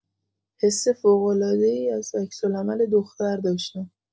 حس فوق‌العاده ای از عکس‌العمل دختر داشتم.